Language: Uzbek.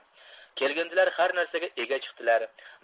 kelgindilar har narsaga ega chiqdilar